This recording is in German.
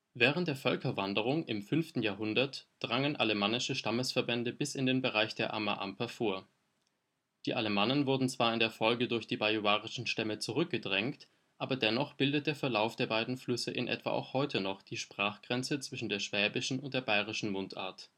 der Völkerwanderung im fünften Jahrhundert drangen alemannische Stammesverbände bis in den Bereich der Ammer/Amper vor. Die Alemannen wurden zwar in der Folge durch die bajuwarischen Stämme zurückgedrängt, aber dennoch bildet der Verlauf der beiden Flüsse in etwa auch heute noch die Sprachgrenze zwischen der schwäbischen und der bayerischen Mundart